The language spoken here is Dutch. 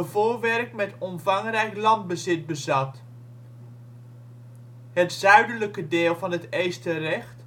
voorwerk met omvangrijk landbezit bezat. Het zuidelijke deel van het Eesterrecht